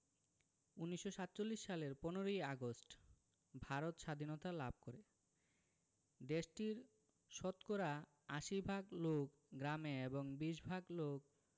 ১৯৪৭ সালের ১৫ ই আগস্ট ভারত সাধীনতা লাভ করে দেশটির শতকরা ৮০ ভাগ লোক গ্রামে এবং ২০ ভাগ লোক